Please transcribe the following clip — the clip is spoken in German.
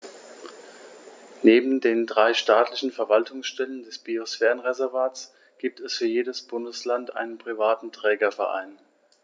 Neben den drei staatlichen Verwaltungsstellen des Biosphärenreservates gibt es für jedes Bundesland einen privaten Trägerverein.